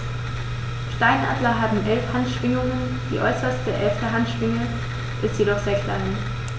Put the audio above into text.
Steinadler haben 11 Handschwingen, die äußerste (11.) Handschwinge ist jedoch sehr klein.